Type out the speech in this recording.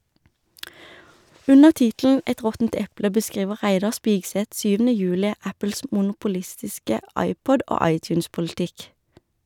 Under tittelen "Et råttent eple" beskriver Reidar Spigseth 7. juli Apples monopolistiske iPod- og iTunes-politikk.